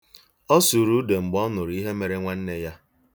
Ọ sụrụ ude mgbe ọ nụrụ ihe mere nwanne ya.